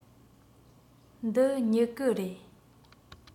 འདི སྨྱུ གུ རེད